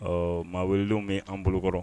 Ɔ maa wele bɛan bolokɔrɔ